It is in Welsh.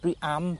dwi am